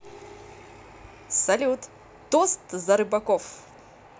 салют тост за рыбаков